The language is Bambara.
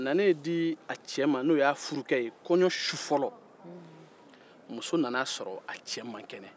a nanen di a cɛ ma kɔɲɔ su fɔlɔ muso nana a sɔrɔ ko a cɛ man kɛnɛ